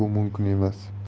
bu mumkin emas